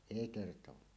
ei kertaakaan